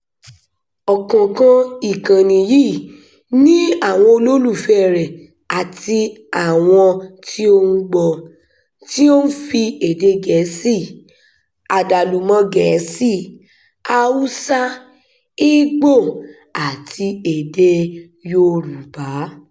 Ọ̀kọ̀ọ̀kan ìkànnì yìí — ní àwọn olólùfẹ́ẹ rẹ̀ àti àwọn tí ó ń gbọ́ ọ — tí ó ń fi èdèe Gẹ̀ẹ́sì, Àdàlùmọ́-Gẹ̀ẹ́sì, Hausa, Igbo àti èdèe Yorùbá.